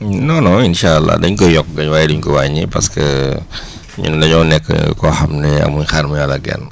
non non incha allah dañ koy yokk kay waaye duñ ko wàññi parce que ñun dañoo nekk kooxam ne amuñ xaar ma yàlla ak kenn